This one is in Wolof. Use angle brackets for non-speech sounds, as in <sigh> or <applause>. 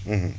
<hesitation> <hesitation>